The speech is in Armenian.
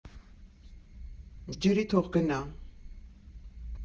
Ջրի թող գնա։